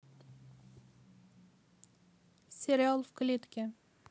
сериал в клетке